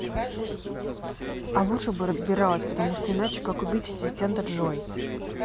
а лучше бы разбирались потому что иначе как убить ассистента джой